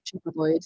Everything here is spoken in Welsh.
Siopa bwyd.